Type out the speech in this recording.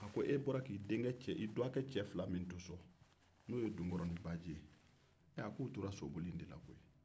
e bɔra k'i denkɛ cɛ dɔgɔkɛ cɛ fila min to so n'o ye dunkɔrɔninbaji ye ee a a ko u tora soboli de la koyi